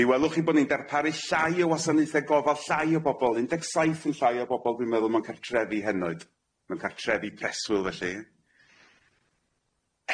Mi welwch chi bo' ni'n darparu llai o wasanaethe gofal llai o bobol un deg saith yn llai o bobol dwi'n meddwl mewn cartrefi henoed mewn cartrefi preswyl felly.